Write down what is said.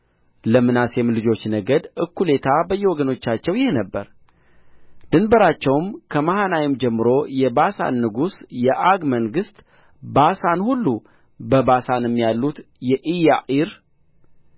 ለምናሴም ልጆች ነገድ እኩሌታ በየወገኖቻቸው ይህ ነበረ ድንበራቸውም ከመሃናይም ጀምሮ የባሳን ንጉሥ የዐግ መንግሥት ባሳን ሁሉ በባሳንም ያሉት የኢያዕር